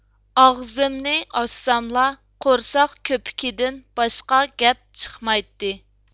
ئاغزىمنى ئاچساملا قورساق كۆپۈكىدىن باشقا گەپ چىقمايتتى